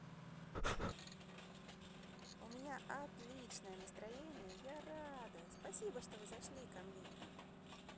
у меня отличное настроение я рада спасибо что вы зашли ко мне